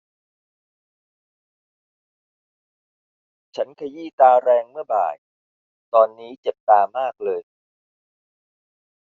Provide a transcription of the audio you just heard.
ฉันขยี้ตาแรงเมื่อบ่ายตอนนี้เจ็บตามากเลย